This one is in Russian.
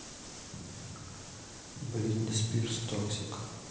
бритни спирс токсик